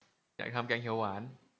อยากทำแกงเขียวหวาน